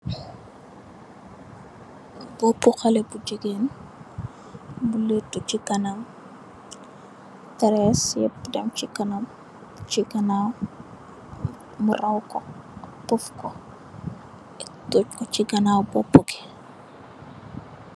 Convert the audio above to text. Bupou haleh bu jegain bu letou che kanam teress yu dem che kanam che ganaw mu raww ku puff ku toug ku che ganaw bopou be.